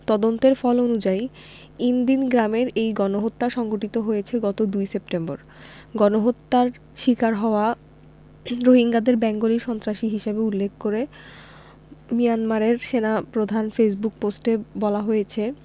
তদন্তের ফল অনুযায়ী ইনদিন গ্রামের ওই গণহত্যা সংঘটিত হয়েছে গত ২ সেপ্টেম্বর গণহত্যার শিকার হওয়া রোহিঙ্গাদের বেঙ্গলি সন্ত্রাসী হিসেবে উল্লেখ করে মিয়ানমারের সেনাপ্রধানের ফেসবুক পোস্টে বলা হয়েছে